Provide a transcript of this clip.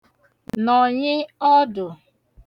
nọ̀nyị ọdụ̀